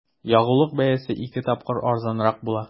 Ягулык бәясе ике тапкыр арзанрак була.